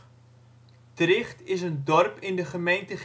Tricht is een dorp in de gemeente